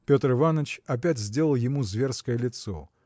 Петр Иваныч опять сделал ему зверское лицо.